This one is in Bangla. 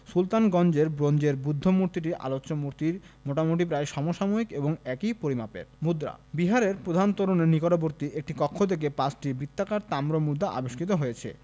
সুলতানগঞ্জের ব্রোঞ্জের বুদ্ধ মূর্তিটি আলোচ্য মূর্তির মোটামুটি প্রায় সমসাময়িক এবং একই পরিমাপের মুদ্রা বিহারের প্রধান তোরণের নিকটবর্তী একটি কক্ষ থেকে ৫টি বৃত্তাকার তাম্র মুদ্রা আবিষ্কৃত হয়েছে